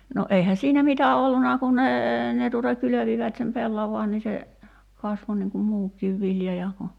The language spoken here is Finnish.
no eihän siinä mitä ollut kun ne ne tuota kylvivät sen pellavan niin se kasvoi niin kuin muukin vilja ja kun